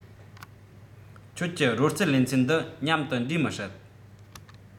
ཁྱོད གྱི རོལ རྩེད ལེ ཚན འདི མཉམ དུ འདྲེས མི སྲིད